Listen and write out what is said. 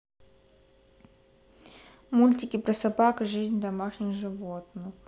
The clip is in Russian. мультики про собак жизнь домашних животных